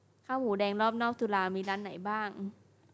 ข้าวหมูแดงรอบนอกจุฬามีร้านไหนบ้าง